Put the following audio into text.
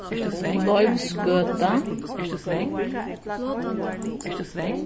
leivsgøta